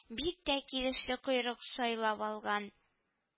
Бик тә килешле койрык сайлап алган